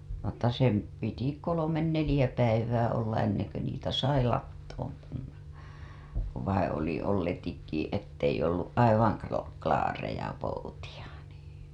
mutta sen piti kolme neljä päivää olla ennen kuin niitä sai latoon panna kun vain oli olletikin että ei ollut aivan - klaareja poutia niin